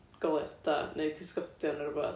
goleuadau neu cysgodion neu rwbath